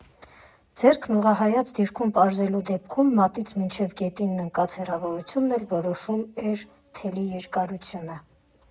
Ձեռքն ուղղահայաց դիրքում պարզելու դեպքում մատից մինչև գետինն ընկած հեռավորությունն էլ որոշում էր թելի երկարությունը։